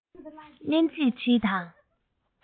སྙན ཚིག བྲིས དང